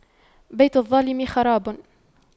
بيت الظالم خراب